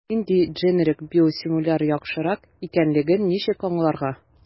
Нинди дженерик/биосимиляр яхшырак икәнлеген ничек аңларга?